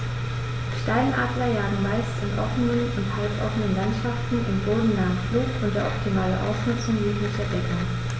Steinadler jagen meist in offenen oder halboffenen Landschaften im bodennahen Flug unter optimaler Ausnutzung jeglicher Deckung.